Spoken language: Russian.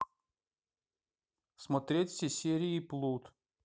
смотреть все серии плут